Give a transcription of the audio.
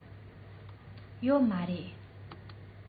ཡོད མ རེད